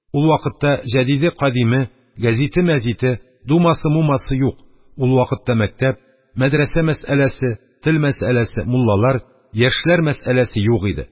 Ул вакытта җәдиде-кадиме, гәзите-мәзите, думасы-бумасы юк; ул вакытта мәктәп, мәдрәсә мәсьәләсе, тел мәсьәләсе, муллалар, яшьләр мәсьәләсе юк иде.